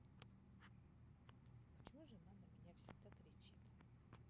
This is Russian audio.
почему жена на меня всегда кричит